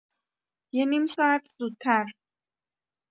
یه نیم ساعت زودتر